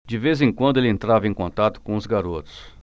de vez em quando ele entrava em contato com os garotos